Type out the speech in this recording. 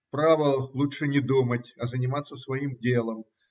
Право, лучше не думать, а заниматься своим делом.